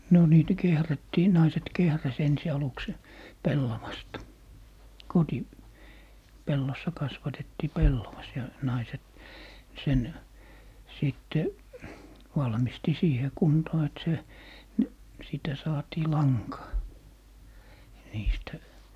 no niitä kehrättiin naiset kehräsi ensi aluksi sen pellavasta - kotipellossa kasvatettiin pellavas ja naiset sen sitten valmisti siihen kuntoon että se - siitä saatiin lankaa niistä